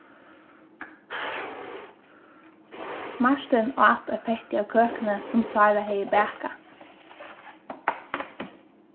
martin át eitt petti av køkuni sum sára hevði bakað